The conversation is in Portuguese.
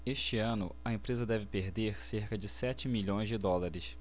este ano a empresa deve perder cerca de sete milhões de dólares